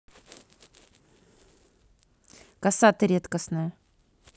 casa ты редкостная